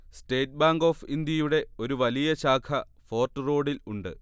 state bank of ഇന്ത്യയുടെ ഒരു വലിയ ശാഖ ഫോർട്ട് റോഡിൽ ഉണ്ട്